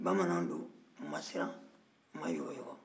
bamananw don u ma siran u ma yɔgɔyɔgɔ